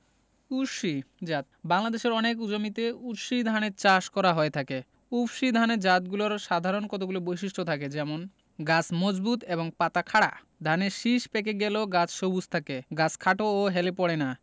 উরশী জাতঃ বাংলাদেশের অনেক জমিতে উরশী ধানের চাষ করা হয়ে থাকে উফশী ধানের জাতগুলোর সাধারণ কতগুলো বৈশিষ্ট্য থাকে যেমনঃ গাছ মজবুত এবং পাতা খাড়া ধানের শীষ পেকে গেলেও গাছ সবুজ থাকে গাছ খাটো ও হেলে পড়ে না